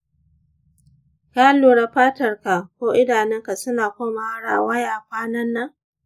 ka lura fatarka ko idanunka suna komawa rawaya kwanan nan?